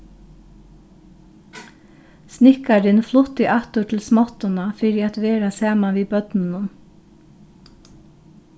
snikkarin flutti aftur til smáttuna fyri at vera saman við børnunum